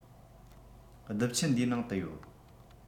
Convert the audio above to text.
རྡིབ ཆུ འདིའི ནང དུ ཡོད